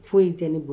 Foyi in tɛ ne bolo